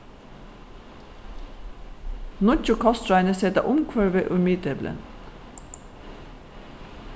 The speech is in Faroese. nýggju kostráðini seta umhvørvið í miðdepilin